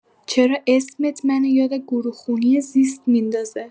چرا اسمت منو یاد گروه خونی زیست میندازه